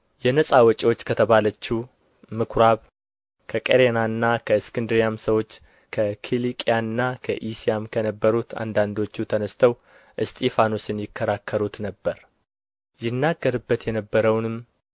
የነፃ ወጪዎች ከተባለችው ምኵራብም ከቀሬናና ከእስክንድርያም ሰዎች ከኪልቅያና ከእስያም ከነበሩት አንዳንዶቹ ተነሥተው እስጢፋኖስን ይከራከሩት ነበር ይናገርበት የነበረውንም